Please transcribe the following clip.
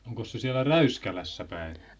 onkos se siellä Räyskälässä päin